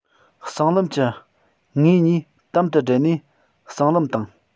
གསང ལམ གྱི ངོས གཉིས དམ དུ འབྲེལ ནས གསང ལམ དང